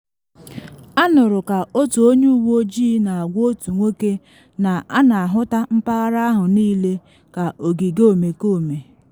Anụrụ ka otu onye uwe ojii na agwa otu nwoke na a na ahụta mpaghara ahụ niile ka ogige omekome.